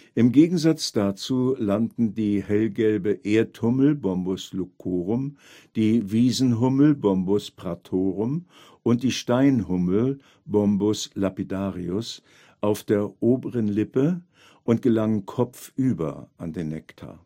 Im Gegensatz dazu landen die Hellgelbe Erdhummel (Bombus lucorum), die Wiesenhummel (Bombus pratorum) und die Steinhummel (Bombus lapidarius) auf der oberen Lippe und gelangen kopfüber an den Nektar